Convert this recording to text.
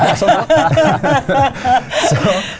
.